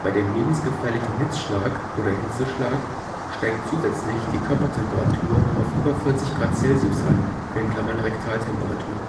dem lebensgefährlichen Hitzschlag oder Hitzeschlag steigt zusätzlich die Körpertemperatur auf über 40 °C an (Rektaltemperatur